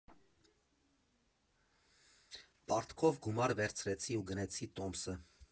Պարտքով գումար վերցրեցի ու գնեցի տոմսը։